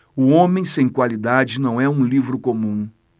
o homem sem qualidades não é um livro comum